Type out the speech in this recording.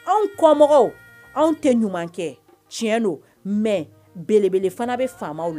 Anw kɔmɔgɔw anw tɛ ɲuman kɛ tiɲɛ do mais belebele fana bɛ faamaw la